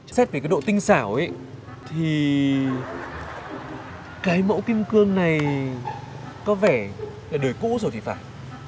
xét về cái độ tinh xảo ý thì cái mẫu kim cương này có vẻ là đời cũ rồi thì phải